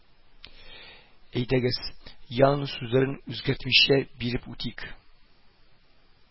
Әйдәгез, Янаның сүзләрен үзгәртмичә биреп үтик